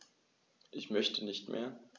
Ich möchte nicht mehr.